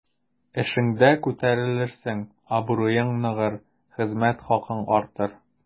Эшеңдә күтәрелерсең, абруең ныгыр, хезмәт хакың артыр.